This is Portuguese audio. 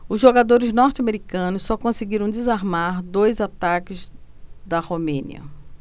os jogadores norte-americanos só conseguiram desarmar dois ataques da romênia